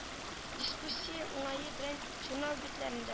Дискуссия уңае белән журнал битләрендә